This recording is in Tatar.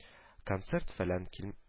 Концерт-фәлән кил